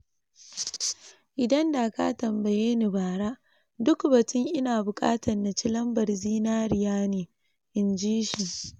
“Idan da ka tambayeni bara, duk batun ‘ina bukatan na ci lambar zinariya ne’, inji shi.